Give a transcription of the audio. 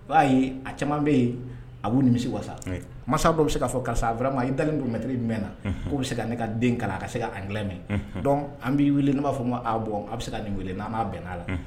I b'a ye a caman bɛ yen a b'u nimisi wasa oui masa dɔ bɛ se ka fɔ karisa vraiment i dalen don maitre jumɛnna k'o bɛ se ka ne ka den kalan a ka se ka anglais mɛ unhun donc an b'i weele ne b'a fɔ n ko aa bon a' bɛ se ka nin weele n'an'a bɛn'a la unhun